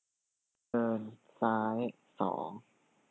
เดินซ้ายสอง